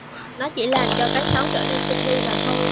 nó chỉ làm cho cái xấu trở nên tinh vi mà thôi